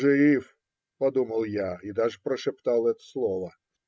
"Жив", - подумал я и даже прошептал это слово.